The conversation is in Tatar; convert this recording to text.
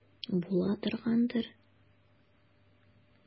Була торгандыр.